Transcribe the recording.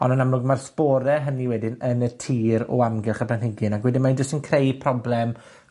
On' yn amlwg, ma'r sbore hynny wedyn yn y tir o amgylch y planhigyn ag wedyn mae'n jyst syn creu problem